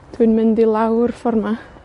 Dwi'n mynd i lawr ffor' 'ma.